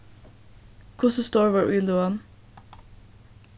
hvussu stór var íløgan